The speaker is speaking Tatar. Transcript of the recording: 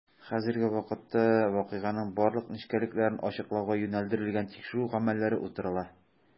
Хәзерге вакытта вакыйганың барлык нечкәлекләрен ачыклауга юнәлдерелгән тикшерү гамәлләре уздырыла.